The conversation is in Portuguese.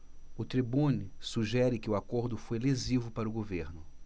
o tribune sugere que o acordo foi lesivo para o governo